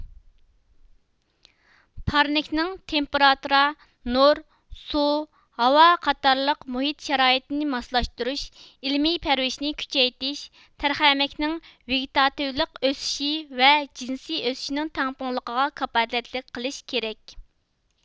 پارنىكنىڭ تېمپېراتۇرا نۇر سۇ ھاۋا قاتارلىق مۇھىت شارائىتىنى ماسلاشتۇرۇش ئىلمىي پەرۋىشنى كۈچەيتىش تەرخەمەكنىڭ ۋېگىتاتىۋلىق ئۆسۈشى بىلەن جىنسىي ئۆسۈشىنىڭ تەڭپۇڭلۇقىغا كاپالەتلىك قىلىش كېرەك